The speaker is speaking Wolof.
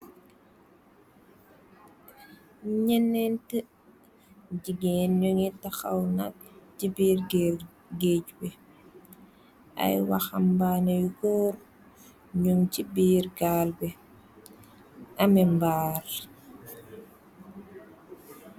Ñenneent jigéen ñungi tahaw nag ci biir géej bi, ay wahambane yu góor ñung ci biir gaal bi am meh mbaal.